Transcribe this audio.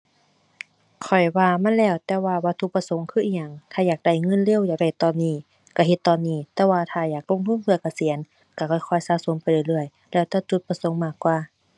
ข้อยว่ามันแล้วแต่ว่าวัตถุประสงค์คืออิหยัง ถ้าอยากได้เงินเร็วอยากได้ตอนนี้ก็เฮ็ดตอนนี้ แต่ว่าถ้าอยากลงทุนเพื่อเกษียณก็ค่อยค่อยสะสมไปเรื่อยเรื่อย แล้วแต่จุดมากกว่า